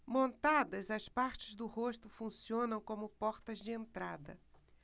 montadas as partes do rosto funcionam como portas de entrada